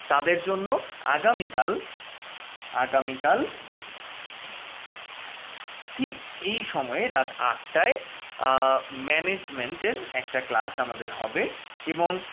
তাদের জন্য আগামীকাল আগামীকাল ঠিক এই সময়ে রাত ৮ টায় ম্যানেজমেন্টের একটা ক্লাস আমাদের হবে এবং